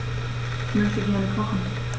Ich möchte gerne kochen.